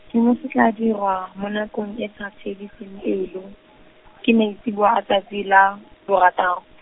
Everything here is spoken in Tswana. seno se tla dirwa, mo nakong e sa fediseng pelo, ke maitseboa a tsatsi la, borataro.